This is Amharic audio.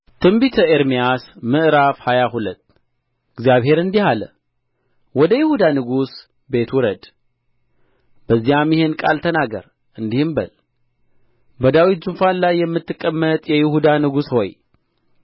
ትንቢተ ኤርምያስ ምዕራፍ ሃያ ሁለት እግዚአብሔር እንዲህ አለ ወደ ይሁዳ ንጉሥ ቤት ውረድ በዚያም ይህን ቃል ተናገር እንዲህም በል በዳዊት ዙፋን የምትቀመጥ የይሁዳ ንጉሥ ሆይ